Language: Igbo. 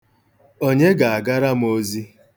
Onye ga-agara m ozi?